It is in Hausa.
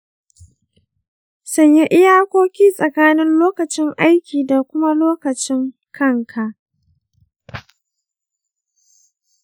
sanya iyakoki tsakanin lokacin aiki da kuma lokacin kanka.